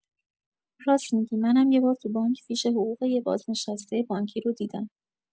راس می‌گی منم یه بار تو بانک فیش حقوق یه بازنشسته بانکی رو دیدم